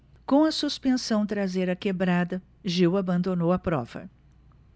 com a suspensão traseira quebrada gil abandonou a prova